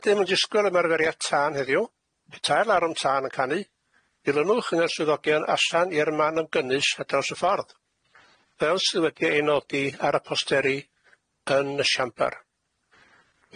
Nid ydym yn disgwyl ymarferiad tân heddiw, petai'r larwm tân yn canu, dilynwch un o'r swyddodion i'r man ymgynull ar draws y ffordd, fel sy' wedi ei nodi ar y posteri yn y siambar.